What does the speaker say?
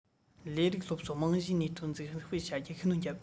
ལས རིགས སློབ གསོའི རྨང གཞིའི ནུས སྟོབས འཛུགས སྤེལ བྱ རྒྱུར ཤུགས སྣོན བརྒྱབ